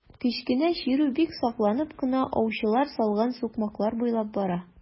Кечкенә чирү бик сакланып кына аучылар салган сукмаклар буйлап бара.